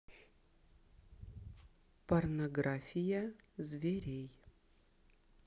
порнография зверей